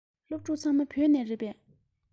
སློབ ཕྲུག ཚང མ བོད ལྗོངས ནས རེད པས